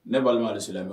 Ne' ma di sira